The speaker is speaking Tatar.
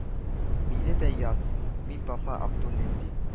Мине дә яз, мин Вафа Абдуллин, ди